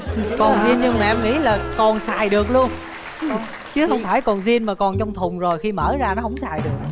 em nghĩ là còn xài được luôn chứ không phải còn din mà còn trong thùng rồi khi mở ra nó không xài được